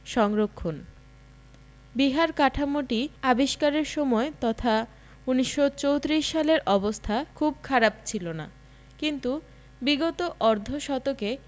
সংরক্ষণ বিহার কাঠামোটি আবিষ্কারের সময় তথা ১৯৩৪ সালের অবস্থা খুব খারাপ ছিল না কিন্তু বিগত অর্ধ শতকে